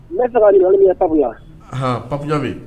Ne saba pa bɛ